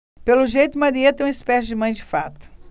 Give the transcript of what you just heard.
pelo jeito marieta é uma espécie de mãe de fato